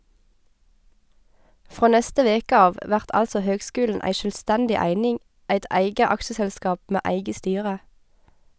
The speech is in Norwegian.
Frå neste veke av vert altså høgskulen ei sjølvstendig eining, eit eige aksjeselskap med eige styre.